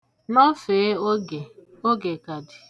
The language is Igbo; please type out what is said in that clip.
Nọfee oge, oge ka dị.